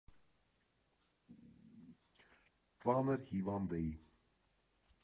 Ծանր հիվանդ էի։